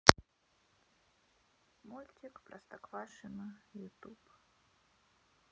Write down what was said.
мультик простоквашино ютуб